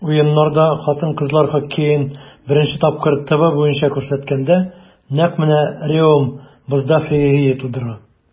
Уеннарда хатын-кызлар хоккеен беренче тапкыр ТВ буенча күрсәткәндә, нәкъ менә Реом бозда феерия тудыра.